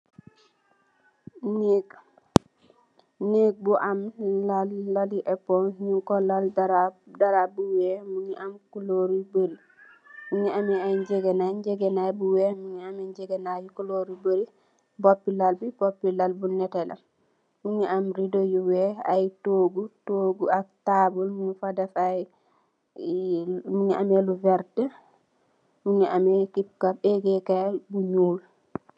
Nèeg, neeg bu lal, lali epons nung ko lal dara, dara bu weeh mungi am kulóor yu bari. Mungi ameh ay ngegenaay, ngegenaay bu weeh, mungi ameh ngegenaay kuloor yu bari. Boppi lal bi, boppi lal bi nètè la. Mungi am riddo yu weeh, ay toogu, toogu ak taabl nung fa def ay mungi ameh lu vert, mungi ameh kipkap ègèkaay bi ñuul.